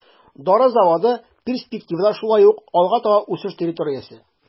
Дары заводы перспективада шулай ук алга таба үсеш территориясе.